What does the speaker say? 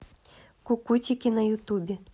кукутики на ютубе